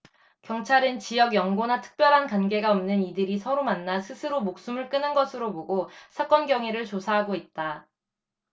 경찰은 지역 연고나 특별한 관계가 없는 이들이 서로 만나 스스로 목숨을 끊은 것으로 보고 사건 경위를 조사하고 있다